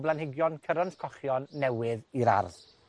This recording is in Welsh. blanhigion cyrants cochion newydd i'r ardd.